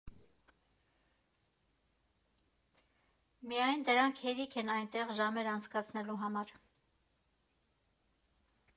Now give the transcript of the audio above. Միայն դրանք հերիք են այնտեղ ժամեր անցկացնելու համար։